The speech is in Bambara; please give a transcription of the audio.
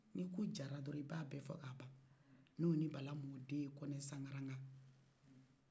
ni ko jara i b'a bɛfo ka ba munu ye bala mɔnden ye kɔnɛ sangaraga